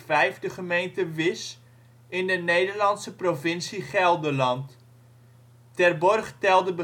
2005: gemeente Wisch), in de Nederlandse provincie Gelderland. Terborg telde